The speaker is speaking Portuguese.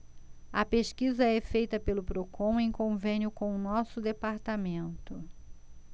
a pesquisa é feita pelo procon em convênio com o diese